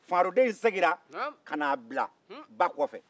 faroden in seginna ka na bila ba kɔfɛ